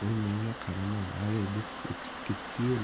u menga qaramay valey deb o'tib ketdi yu